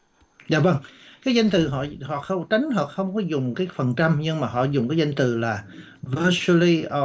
dạ vâng cái danh từ họ họ không tránh hoặc không có dùng các phần trăm nhưng mà họ dùng cái danh từ là vây dơ lì ở